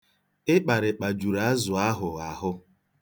Ịkparịkpa juru azụ ahụ ahụ.